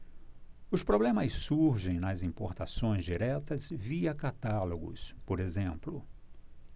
os problemas surgem nas importações diretas via catálogos por exemplo